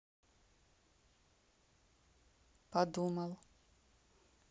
подумал